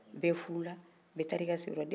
bɛɛ fuuru la bɛɛ taara i ka sigin yɔrɔ la